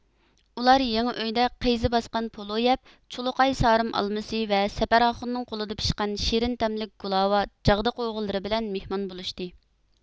ئۇلار يېڭى ئۆيدە قىيزا باسقان پولۇ يەپ چۇلۇقاي سارىم ئالمىسى ۋە سەپەر ئاخۇننىڭ قولىدا پىشقان شېرىن تەملىك گۇلاۋا جاغدا قوغۇنلىرى بىلەن مېھمان بولۇشتى